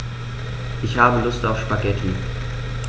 Ich habe Lust auf Spaghetti.